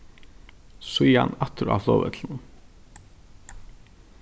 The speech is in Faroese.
síðan aftur á flogvøllinum